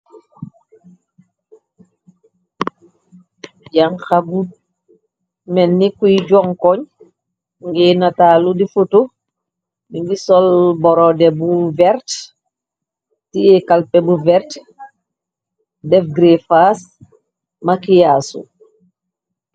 yanxagud menni kuy jonkoñ ngiy nataalu di futu di ngi sol boro de bu vert tie kalpe bu verte def gra fas makiyaasu